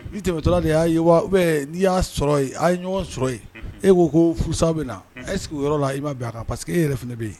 Ni tɛmɛtɔla de y'a ye n'i y'a sɔrɔ a ye ɲɔgɔn sɔrɔ yen e koo ko furusa bɛ na e sigi yɔrɔ la i ma a kan pa parceseke e yɛrɛ fana bɛ yen